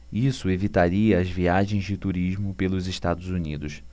isso evitaria as viagens de turismo pelos estados unidos